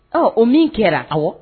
Ɔ o min kɛra kɔ